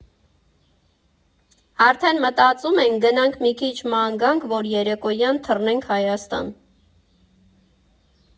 Արդեն մտածում ենք՝ գնանք մի քիչ ման գանք, որ երեկոյան թռնենք Հայաստան։